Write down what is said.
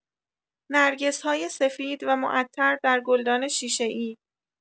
نرگس‌های سفید و معطر در گلدان شیشه‌ای